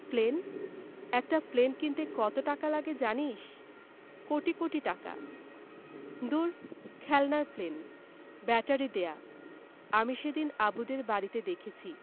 plane একটা plane কিনতে কত টাকা লাগে জানিস কোটি কোটি টাকা দূর খেলনার প্লেন ব্যাটারি দেয়া আমি সেদিন আবুদের বাড়িতে দেখেছি